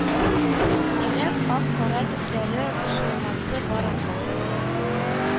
Димәк, ак, кара төсләре кушылмасы бар анда